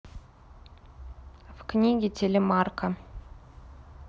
в книге телемарка